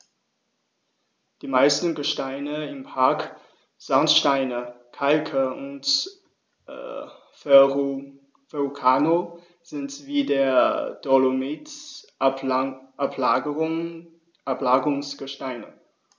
Die meisten Gesteine im Park – Sandsteine, Kalke und Verrucano – sind wie der Dolomit Ablagerungsgesteine.